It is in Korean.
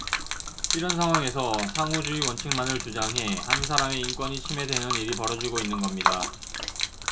이런 상황에서 상호주의 원칙만을 주장해 한 사람의 인권이 침해되는 일이 벌어지고 있는 겁니다